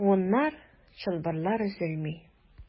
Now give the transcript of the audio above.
Буыннар, чылбырлар өзелми.